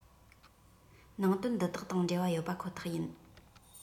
ནང དོན འདི དག དང འབྲེལ བ ཡོད པ ཁོ ཐག ཡིན